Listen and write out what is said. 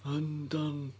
Yndan.